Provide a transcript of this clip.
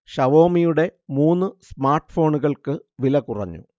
ഷവോമിയുടെ മൂന്ന് സ്മാർട്ഫോണുകൾക്ക് വില കുറഞ്ഞു